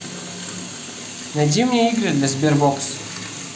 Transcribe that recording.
найди мне игры для sberbox